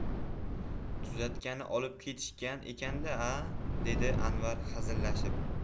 tuzatgani olib ketishgan ekan da a dedi anvar hazillashib